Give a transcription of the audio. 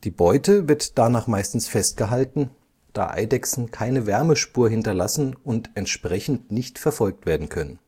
Beute wird danach meistens festgehalten, da Eidechsen keine Wärmespur hinterlassen und entsprechend nicht verfolgt werden können